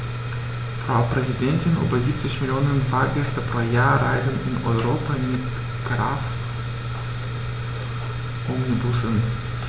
Frau Präsidentin, über 70 Millionen Fahrgäste pro Jahr reisen in Europa mit Kraftomnibussen.